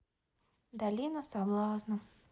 долина соблазна